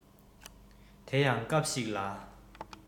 དེ ཡང སྐབས ཤིག ལ